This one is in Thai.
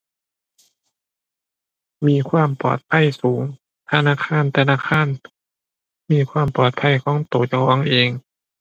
มีความปลอดภัยสูง ธนาคารแต่ละธนาคารมีความปลอดภัยของตัวเจ้าของเอง